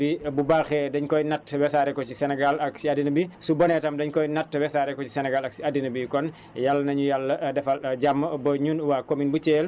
comme ni ko Fane waxee léegi ñu bàyyi ci xel bu baax a baax ëllëg projet bi bu baaxee dañ koy natt wasaare ko ci Sénégal ak si àddina bi su bonee tam dañ koy natt wasaare ko ci Sénégal ak si àddina bi